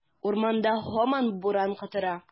Урамда һаман буран котыра.